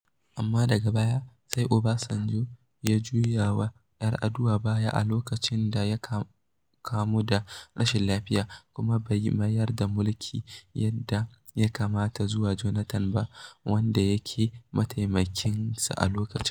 Amma daga baya sai Obasanjo ya juya wa 'Yar'aduwa baya a lokacin da ya kamu da rashin lafiya kuma bai mayar da mulki yadda ya kamata zuwa Jonathan ba, wanda yake mataimakinsa a lokacin.